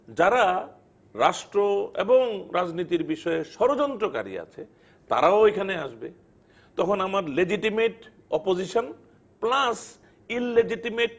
যারা রাষ্ট্র এবং রাজনীতির বিষয়ে ষড়যন্ত্রকারী আছে তারাও এখানে আসবে তখন আমার লেজিটিমেট অপোজিশন প্লাস ইললেজিটিমেট